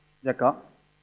dạ có